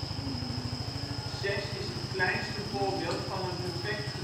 kleinste voorbeeld van een perfect